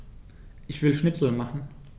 Ich will Schnitzel machen.